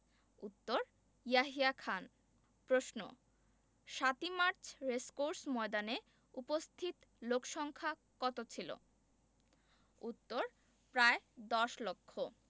উত্তর ইয়াহিয়া খান প্রশ্ন ৭ই মার্চ রেসকোর্স ময়দানে উপস্থিত লোকসংক্ষা কত ছিলো উত্তর প্রায় দশ লক্ষ